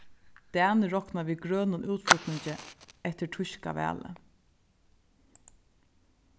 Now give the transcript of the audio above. danir rokna við grønum útflutningi eftir týska valið